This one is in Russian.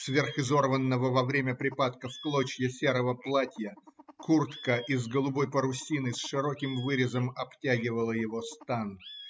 Сверх изорванного во время припадка в клочья серого платья куртка из грубой парусины с широким вырезом обтягивала его стан